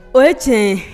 O ye tiɲɛ ye